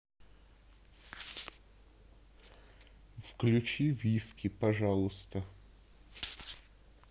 включи виски пожалуйста